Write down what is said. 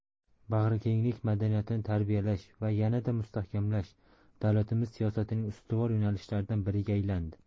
bag'rikenglik madaniyatini tarbiyalash va yanada mustahkamlash davlatimiz siyosatining ustuvor yo'nalishlaridan biriga aylandi